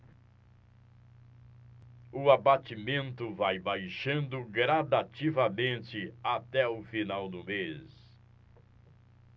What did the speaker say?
o abatimento vai baixando gradativamente até o final do mês